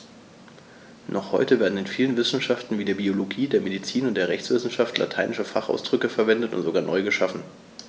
Noch heute werden in vielen Wissenschaften wie der Biologie, der Medizin und der Rechtswissenschaft lateinische Fachausdrücke verwendet und sogar neu geschaffen.